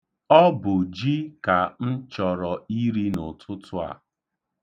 Ọ bụ ji ka m chọrọ iri n'ụtụtụ a.